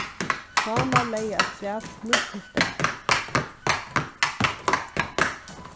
sámal legði afturat nýtt tiltak